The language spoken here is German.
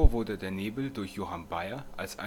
wurde der Nebel durch Johann Bayer als